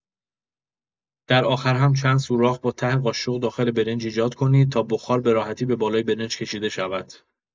در آخر هم چند سوراخ با ته قاشق داخل برنج ایجاد کنید تا بخار به راحتی به بالای برنج کشیده شود.